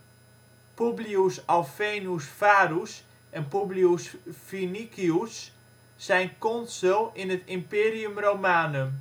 Publius Alfenus Varus en Publius Vinicius zijn consul in het Imperium Romanum